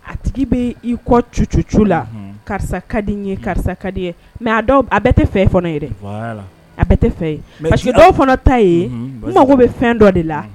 A tigi bɛ i kɔ tu la karisa ka di ye karisa kadi ye mɛ a tɛ fɛ ye a tɛ fɛseke dɔw ta ye mago bɛ fɛn dɔ de la